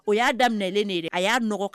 O y'a daminɛen de ye a y'aɔgɔnɔgɔ